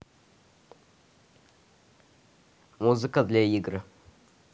музыка для игр